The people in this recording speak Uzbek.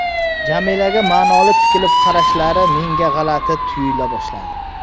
jamilaga ma'noli tikilib qarashlari menga g'alati tuyula boshladi